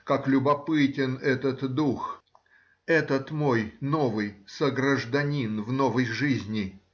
как любопытен этот дух, этот мой новый согражданин в новой жизни!